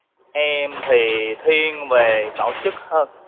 em thì thiên về tổ chức hơn